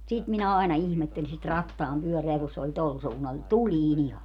sitä minä aina ihmettelin sitä rattaanpyörää kun se oli tuolla suunnalla niin tulinen ihan